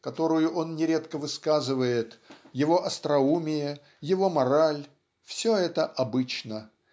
которую он нередко высказывает его остроумие его мораль все это обычно